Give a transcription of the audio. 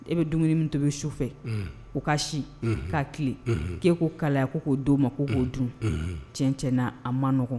E bɛ dumuni min to bɛ su fɛ o ka si k'a tile k'e ko kalaya ko k'o di' ma k ko koo dun cɛn tiɲɛna a man n nɔgɔɔgɔn